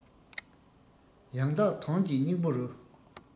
ཡང དག དོན གྱི སྙིང པོ རུ